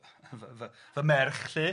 fy-fy-fy merch 'lly.